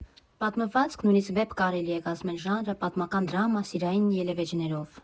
Պատմվածք, նույնիսկ վեպ կարելի է կազմել, ժանրը՝ պատմական դրամա՝ սիրային ելևէջներով։